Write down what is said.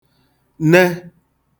ne